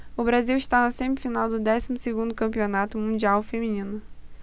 o brasil está na semifinal do décimo segundo campeonato mundial feminino